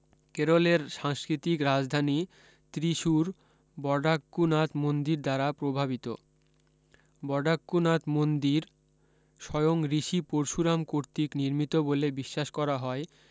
কেরলের সাংস্কৃতিক রাজধানী ত্রিসূর বডাককুনাথ মন্দির দ্বারা প্রভাবিত বডাককুনাথ মন্দির স্বয়ং ঋষি পরশুরাম কর্তৃক নির্মিত বলে বিশ্বাস করা হয়